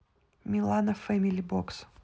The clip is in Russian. милана фэмили бокс